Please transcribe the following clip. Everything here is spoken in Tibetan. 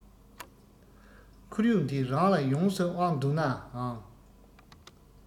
ཁོར ཡུག འདི རང ལ ཡོངས སུ དབང འདུག ནའང